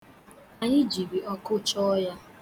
Anyị jiri ọkụ chọọ ya.